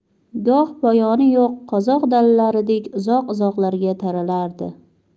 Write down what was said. goh poyoni yo'q qozoq dalalaridek uzoq uzoqlarga taralardi